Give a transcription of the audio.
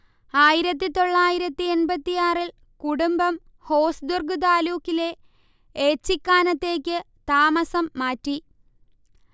ആയിരത്തി തൊള്ളായിരത്തി എൺപത്തിയാറിൽ കുടുംബം ഹോസ്ദുർഗ് താലൂക്കിലെ ഏച്ചിക്കാനത്തേക്ക് താമസം മാറ്റി